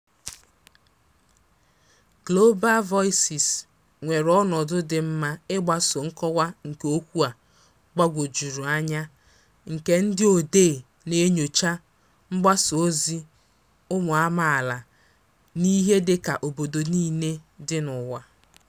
Global Voices nwere ọnọdụ dị mma ịgbaso nkọwa nke okwu a gbagwojuru anya nke ndị odee na-enyocha mgbasaozi ụmụ amaala n'ihe dịka obodo niile dị n'ụwa.